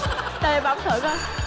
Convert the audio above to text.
đây bấm thử